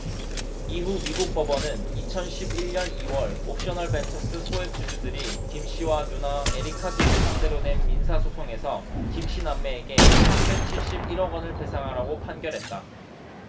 이후 미국 법원은 이천 십 일 년 이 월 옵셔널벤처스 소액주주들이 김씨와 누나 에리카 김을 상대로 낸 민사소송에서 김씨 남매에게 삼백 칠십 일 억원을 배상하라고 판결했다